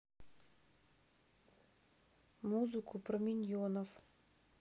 музыку про миньонов